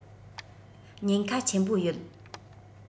ཉེན ཁ ཆེན པོ ཡོད